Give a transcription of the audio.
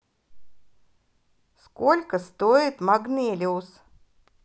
сколько стоит магнелиус